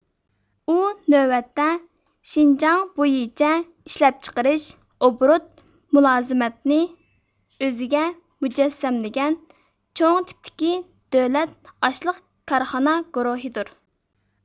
ئۇ نۆۋەتتە شىنجاڭ بويىچە ئىشلەپچىقىرىش ئوبوروت مۇلازىمەتنى ئۆزىگەمۇجەسسەملىگەن چوڭ تىپتىكى دۆلەت ئاشلىق كارخانا گۇرۇھىدۇر